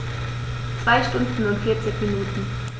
2 Stunden und 40 Minuten